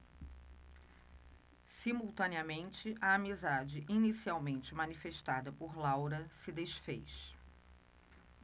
simultaneamente a amizade inicialmente manifestada por laura se disfez